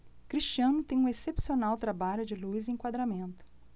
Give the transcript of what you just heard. cristiano tem um excepcional trabalho de luz e enquadramento